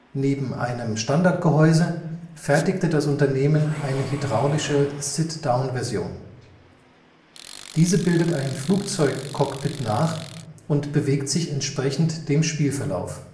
Neben einem Standardgehäuse fertigte das Unternehmen eine hydraulische sit-down-Version. Diese bildet ein Flugzeugcockpit nach und bewegt sich entsprechend dem Spielverlauf